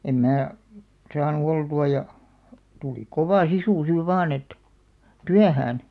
en minä saanut oltua ja tuli kova sisu siinä vain että työhön